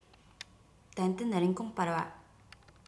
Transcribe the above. ཏན ཏན རིན གོང སྤར བ